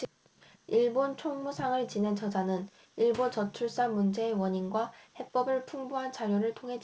일본 총무상을 지낸 저자는 일본 저출산 문제의 원인과 해법을 풍부한 자료를 통해 제시한다